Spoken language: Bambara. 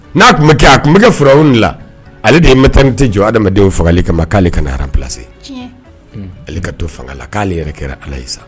N'a tun kɛ a tun bɛ kɛ fura de la ale de yep tanmani tɛ jɔ ha adamadamaden fangali kama ma k'ale kana nara pse ale ka to fanga la k'ale yɛrɛ kɛra ala ye sa